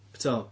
Be ti'n feddwl?